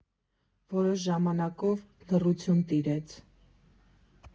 Որոշ ժամանակով լռություն տիրեց։